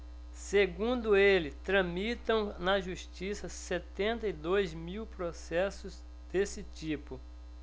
segundo ele tramitam na justiça setenta e dois mil processos desse tipo